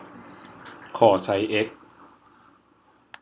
ขอไซส์เอ็กซ์